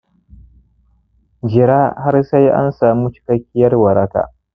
jira har sai an samu cikakkiyar waraka